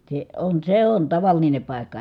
se on se on tavallinen paikka